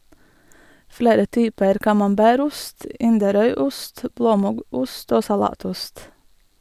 Flere typer camembert-ost, Inderøyost, blåmuggost og salatost.